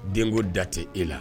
Den ko da tɛ e la